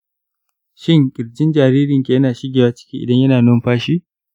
shin kirjin jaririnki yana shigewa ciki idan yana numfashi?